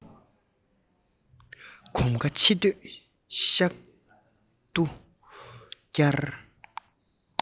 གོམ ཁ ཕྱིར སྡོད ཤག ཏུ བསྒྱུར